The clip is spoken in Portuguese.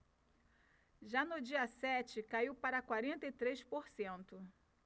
já no dia sete caiu para quarenta e três por cento